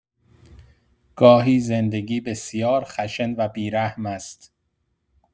گاهی زندگی بسیار خشن و بی‌رحم است.